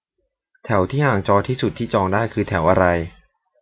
แถวที่ห่างจอที่สุดที่จองได้คือแถวอะไร